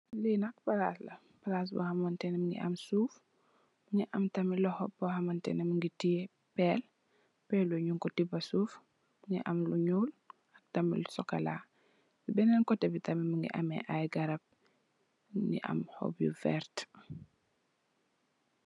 Li nak palas la, palas bo xamanteni mugii am suuf mugii tamid loxo bu xamteni mugii teyeh péél, péél bi ñing ko tiba suuf, mugii am lu ñuul tamid lu sokola. Benen koteh tamid mugii am ay garap mugii am xop yu werta.